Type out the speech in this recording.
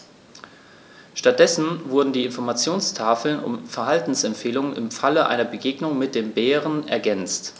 Stattdessen wurden die Informationstafeln um Verhaltensempfehlungen im Falle einer Begegnung mit dem Bären ergänzt.